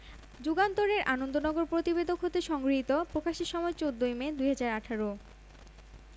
বিদ্যা সিনহা মিম বলেন আসলে আমি যখন জানলাম আর্টরেস তাদের যাত্রা শুরু করেছে তখন তাদের কালেকশান দেখলাম আমাদের তরুণ প্রজন্মের জন্য পছন্দের বেশ কালেকশন রয়েছে